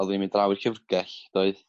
odda ni'n mynd draw i'r llyfrgell doedd?